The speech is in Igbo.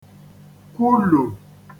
kwulù